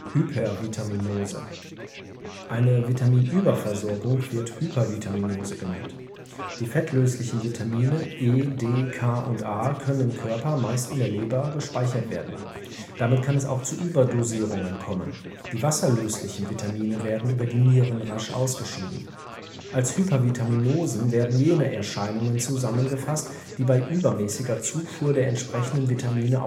Hypervitaminose. Eine Vitaminüberversorgung wird Hypervitaminose genannt. Die fettlöslichen Vitamine (E, D, K, A) können im Körper, meist in der Leber, gespeichert werden. Damit kann es auch zu Überdosierungen kommen. Die wasserlöslichen Vitamine werden über die Niere rasch ausgeschieden. Als Hypervitaminosen werden jene Erscheinungen zusammengefasst, die bei übermäßiger Zufuhr der entsprechenden Vitamine